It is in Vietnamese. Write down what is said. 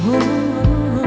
ngủ